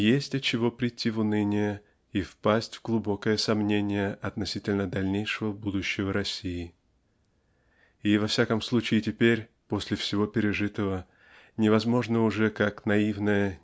Есть от чего прийти в уныние и впасть в глубокое сомнение относительно дальнейшего будущего России. И во всяком случае теперь после всего пережитого невозможны уже как наивная